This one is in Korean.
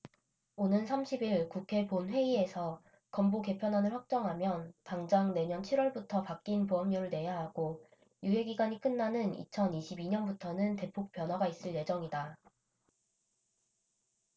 오는 삼십 일 국회 본회의에서 건보 개편안을 확정하면 당장 내년 칠 월부터 바뀐 보험료를 내야 하고 유예 기간이 끝나는 이천 이십 이 년부터는 대폭 변화가 있을 예정이다